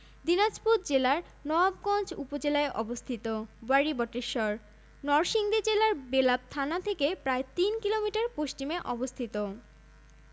৩৬২টি city corporation ৬টি ঢাকা চট্টগ্রাম খুলনা রাজশাহী সিলেট ও বরিশাল পৌরসভা ৩০৯টি ভূ প্রকৃতি